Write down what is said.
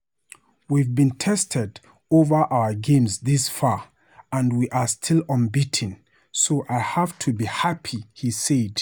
"We've been tested over our games this far, and we're still unbeaten, so I have to be happy," he said.